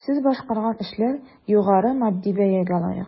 Сез башкарган эшләр югары матди бәягә лаек.